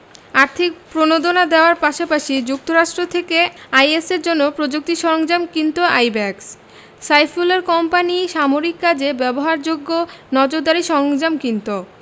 আর্থিক প্রণোদনা দেওয়ার পাশাপাশি যুক্তরাষ্ট্র থেকে আইএসের জন্য প্রযুক্তি সরঞ্জাম কিনত আইব্যাকস সাইফুলের কোম্পানি সামরিক কাজে ব্যবহারযোগ্য নজরদারি সরঞ্জাম কিনত